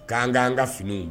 K'an kaan ka fini ye